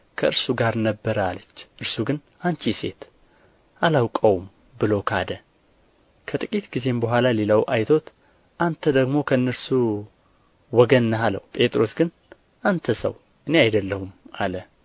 ከእርሱ ጋር ነበረ አለች እርሱ ግን አንቺ ሴት አላውቀውም ብሎ ካደ ከጥቂት ጊዜም በኋላ ሌላው አይቶት አንተ ደግሞ ከእነርሱ ወገን ነህ አለው ጴጥሮስ ግን አንተ ሰው እኔ አይደለሁም አለ